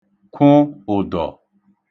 k̇wụ ụ̀dọ̀